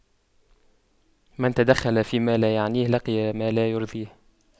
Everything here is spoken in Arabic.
من تدخل فيما لا يعنيه لقي ما لا يرضيه